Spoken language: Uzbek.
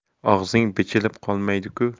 og'zing bichilib qolmaydi ku